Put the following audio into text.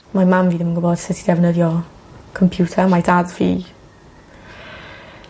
Ma' mam fi ddim yn gwbod sut i defnyddio computer mae dad fi